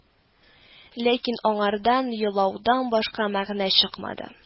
Ләкин аңардан елаудан башка мәгънә чыкмады